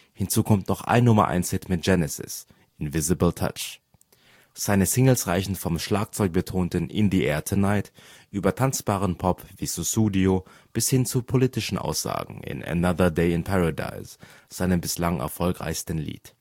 hinzu kommt noch ein Nummer-Eins-Hit mit Genesis (Invisible Touch). Seine Singles reichen vom Schlagzeug-betonten In the Air Tonight über tanzbaren Pop wie Sussudio bis hin zu politischen Aussagen in Another Day in Paradise, seinem bislang erfolgreichsten Lied